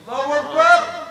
H ka ko